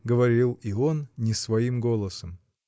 — говорил и он не своим голосом.